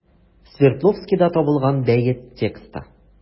Свердловскида табылган бәет тексты.